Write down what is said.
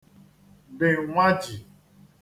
dị̀ nwajì